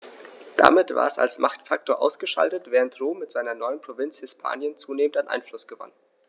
Damit war es als Machtfaktor ausgeschaltet, während Rom mit seiner neuen Provinz Hispanien zunehmend an Einfluss gewann.